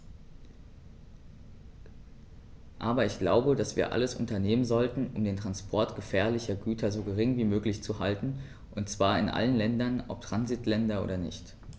Aber ich glaube, dass wir alles unternehmen sollten, um den Transport gefährlicher Güter so gering wie möglich zu halten, und zwar in allen Ländern, ob Transitländer oder nicht.